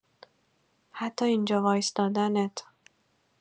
حتی اینجا وایستادنت